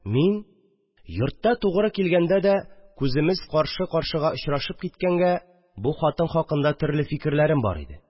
Мин, йортта тугры килгәндә дә күземез каршы-каршыга очрашып киткәнгә, бу хатын хакында төрле фикерләрем бар ид